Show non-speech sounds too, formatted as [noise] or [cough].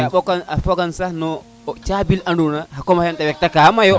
[music] a fokan fokan sax no cabi ne ando na xa koma xe te wet na ka mayon